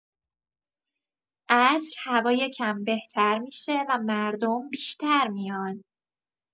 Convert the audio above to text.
عصر هوا یکم بهتر می‌شه و مردم بیشتر میان.